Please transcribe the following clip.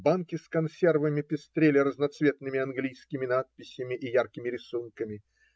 Банки с консервами пестрели разноцветными английскими надписями и яркими рисунками.